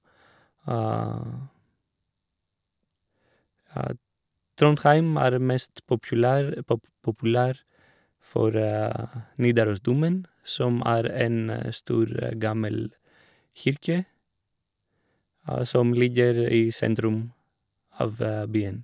Trondheim er mest populær pop populær for Nidarosdomen, som er en stor, gammel kirke som ligger i sentrum av byen.